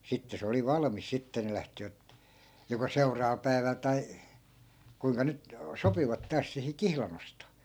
sitten se oli valmis sitten ne lähtivät joko seuraavalla päivällä tai kuinka nyt sopivat taas siihen kihlan ostoon